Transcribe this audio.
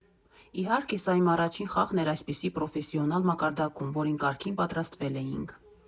Իհարկե, սա իմ առաջին խաղն էր այսպիսի պրոֆեսիոնալ մակարդակում, որին կարգին պատրաստվել էինք։